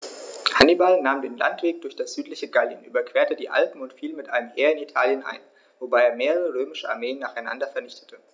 Hannibal nahm den Landweg durch das südliche Gallien, überquerte die Alpen und fiel mit einem Heer in Italien ein, wobei er mehrere römische Armeen nacheinander vernichtete.